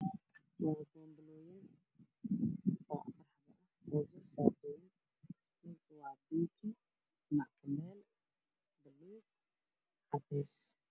Waa bambalooyin oo cadaan ah waxaa ku jiro shatiyaan surwaalo raati ugu waa midow sur-waal ku caadan